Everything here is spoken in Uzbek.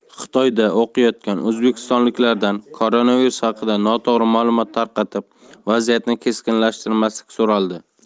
xitoyda o'qiyotgan o'zbekistonliklardan koronavirus haqida noto'g'ri ma'lumot tarqatib vaziyatni keskinlashtirmaslik so'raldi